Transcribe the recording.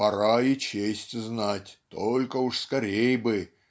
пора и честь знать, только уж скорей бы!